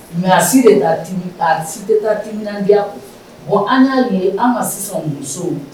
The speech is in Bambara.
Mais a si de taa ti a si te taa timinandiya kɔ bon an ɲ'a ye an ŋa sisan musow